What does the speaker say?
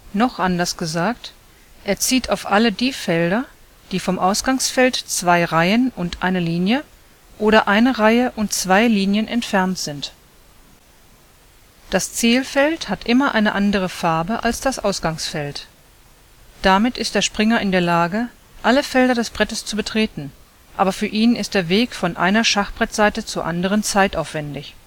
Noch anders gesagt: er zieht auf alle die Felder, die vom Ausgangsfeld zwei Reihen und eine Linie oder eine Reihe und zwei Linien entfernt sind. Das Zielfeld hat immer eine andere Farbe als das Ausgangsfeld. Damit ist der Springer in der Lage, alle Felder des Brettes zu betreten, aber für ihn ist der Weg von einer Schachbrettseite zur anderen zeitaufwändig